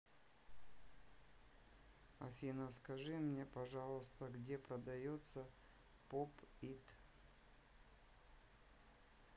афина скажи мне пожалуйста где продается pop it